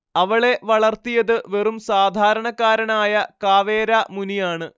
അവളെ വളർത്തിയത് വെറും സാധാരണക്കാരനായ കാവേര മുനിയാണ്